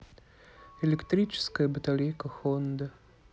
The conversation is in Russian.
электрическая батарейка хонда